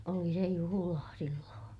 oli se juhlaa silloin